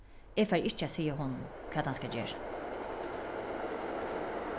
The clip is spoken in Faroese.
eg fari ikki at siga honum hvat hann skal gera